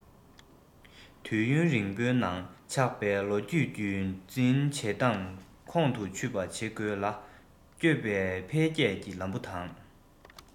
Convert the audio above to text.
དུས ཡུན རིང པོའི ནང ཆགས པའི ལོ རྒྱུས རྒྱུན འཛིན བྱེད སྟངས ཁོང དུ ཆུད པ བྱེད དགོས ལ བསྐྱོད པའི འཕེལ རྒྱས ཀྱི ལམ བུ དང